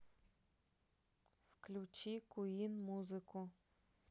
включи куин музыку